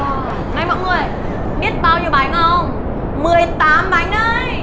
này mọi người biết bao nhiêu bánh ông mười tám bánh đấy